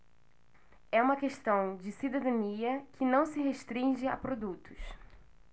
é uma questão de cidadania que não se restringe a produtos